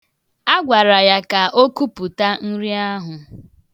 A gwara ya ka o kupụta nrị ahụ.